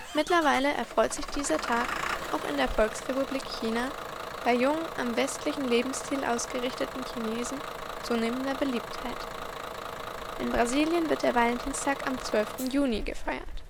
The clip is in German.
Mittlerweile erfreut sich dieser Tag auch in der Volksrepublik China bei jungen, am westlichen Lebensstil ausgerichteten Chinesen zunehmender Beliebtheit. In Brasilien wird der Valentinstag am 12. Juni gefeiert